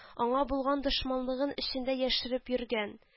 Аңа булган дошманлыгын эчендә яшереп йөргән